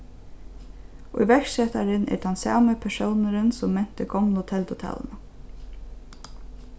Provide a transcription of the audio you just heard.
íverksetarin er tann sami persónurin sum menti gomlu teldutaluna